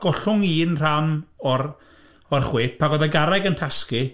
gollwng un rhan o'r o'r chwip, ac oedd y garreg yn tasgu...